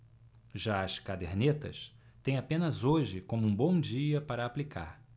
já as cadernetas têm apenas hoje como um bom dia para aplicar